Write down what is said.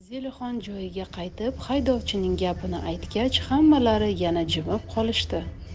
zelixon joyiga qaytib haydovchining gapini aytgach hammalari yana jimib qolishdi